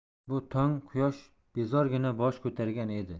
bu tong quyosh beozorgina bosh ko'targan edi